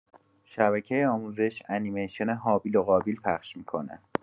شبکه آموزش انیمیشن هابیل و قابیل پخش می‌کنه.